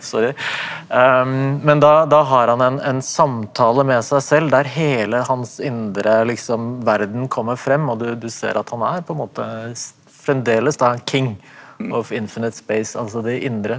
sorry men da da har han en en samtale med seg selv der hele hans indre liksom verden kommer frem og du du ser at han er på en måte fremdeles da altså det indre.